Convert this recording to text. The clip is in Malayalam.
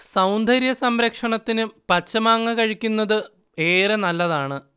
സൗന്ദര്യ സംരക്ഷണത്തിനും പച്ചമാങ്ങ കഴിക്കുന്നത് ഏറെ നല്ലതാണ്